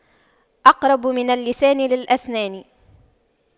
أقرب من اللسان للأسنان